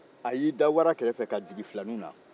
a y'i da wara kɛrɛ fɛ ka jigin filaninw na